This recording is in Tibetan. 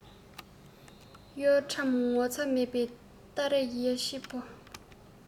གཡོ ཁྲམ ངོ ཚ མེད པའི སྟ རེ ཡི བྱེད པོ